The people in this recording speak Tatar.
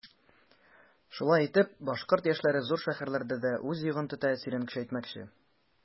Шулай итеп башкорт яшьләре зур шәһәрләрдә дә үз йогынты-тәэсирен көчәйтмәкче.